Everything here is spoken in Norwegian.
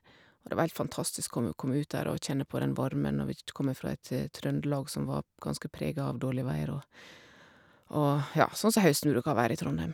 Og det var heilt fantastisk komme komme ut der og kjenne på den varmen når vi kj t kommer fra et Trøndelag som var ganske prega av dårlig vær og og, ja, sånn som høsten bruker å være i Trondheim.